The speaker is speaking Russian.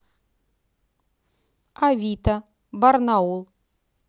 авито барнаул